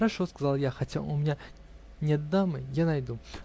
"Хорошо, -- сказал я, -- хотя у меня нет дамы, я найду".